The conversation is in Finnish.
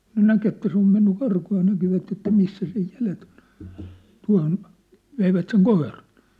kun näki että se on mennyt karkuun ja näkivät että missä sen jäljet on tuohon veivät sen koiran